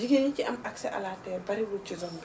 jigéen ñi ci am accès à la terre bariwul ci zone ba